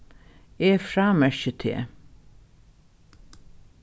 eg frámerki teg